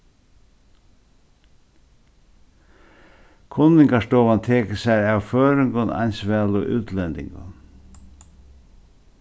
kunningarstovan tekur sær av føroyingum eins væl og útlendingum